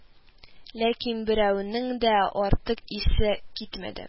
Ләкин берәүнең дә артык исе китмәде